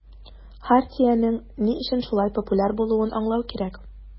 Хартиянең ни өчен шулай популяр булуын аңлау кирәк.